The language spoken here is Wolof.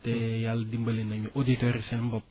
te Yàlla dimbali nañu auditeurs yi seen bopp